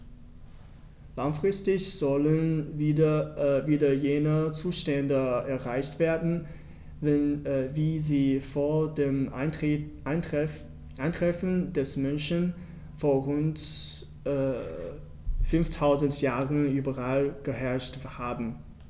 Langfristig sollen wieder jene Zustände erreicht werden, wie sie vor dem Eintreffen des Menschen vor rund 5000 Jahren überall geherrscht haben.